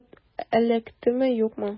Булат эләктеме, юкмы?